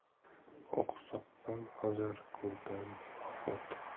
oqsoqdan hazar ko'rdan ofat